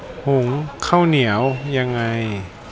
หุงข้าวเหนียวยังไง